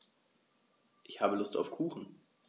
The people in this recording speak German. Ich habe Lust auf Kuchen.